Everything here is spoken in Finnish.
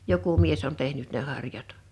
joku mies on tehnyt ne harjat